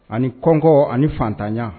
Ani kɔnko ani fatanya